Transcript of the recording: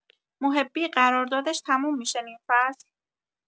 محبی قراردادش تموم می‌شه نیم‌فصل؟